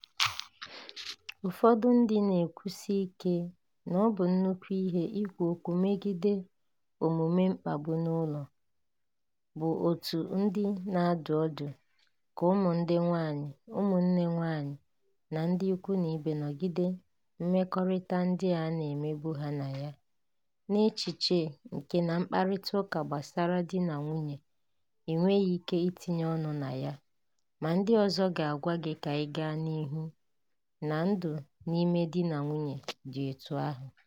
Ụfọdụ ndị na … na-ekwusi ike na ọ bụ nnukwu ihe [ikwu okwu megide omume mkpagbu n'ụlọ], bụ otu ndị na-adụ ọdụ ka ụmụ ndị nwaanyị, ụmụnne nwaanyị, na ndị ikwu nọgide mmekọrịta ndị a na-emegbu ha na ya, n'echiche nke na mkparịtaụka gbasara di na nwunye i nweghị ike itinye ọnụ na ya, ma ndị ọzọ ga-agwa gị ka ị gaa n'ihu, na ndụ n'ime di na nwunye dị etu ahụ...